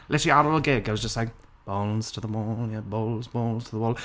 Literally ar ôl gig, I was just like, Balls to the Wall, yeah, Balls, Balls to the Wall